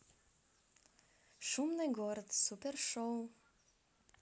шумный город супершоу